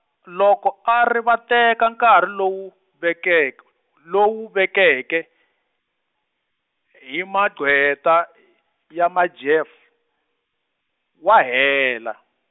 loko a rivateka nkarhi lowu vekeke lowu vekeke, hi maqhweta , ya Majeff, wa hela.